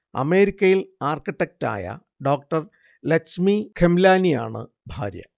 അമേരിക്കയിൽ ആർകിടെക്ടായ ഡോ. ലാച്മി ഖെംലാനിയാണ് ഭാര്യ